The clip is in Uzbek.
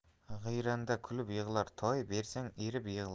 giyranda kulib yig'lar toy bersang erib yig'lar